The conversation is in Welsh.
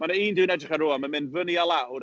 Ma' 'na un dwi'n edrych ar rŵan, ma'n mynd fyny a lawr.